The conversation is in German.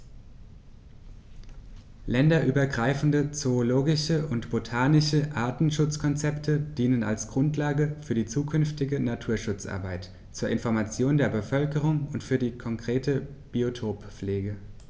Länderübergreifende zoologische und botanische Artenschutzkonzepte dienen als Grundlage für die zukünftige Naturschutzarbeit, zur Information der Bevölkerung und für die konkrete Biotoppflege.